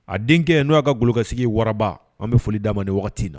A denkɛ n' y'a ka golokasigi wararaba an bɛ foli d' ma ni waati in na